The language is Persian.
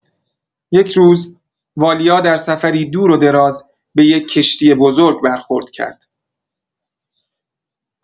یک روز، والیا در سفری دور و دراز، به یک کشتی بزرگ برخورد کرد.